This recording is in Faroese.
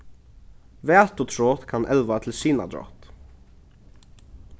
vætutrot kann elva til sinadrátt